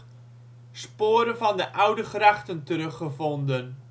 sporen van de oude grachten teruggevonden